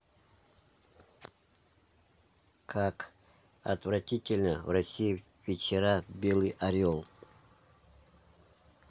как отварительно в россии вечера белый орел